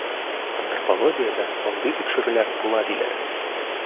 Антропологиядә мондый тикшерүләр була, диләр.